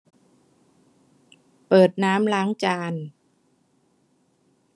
เปิดน้ำล้างจาน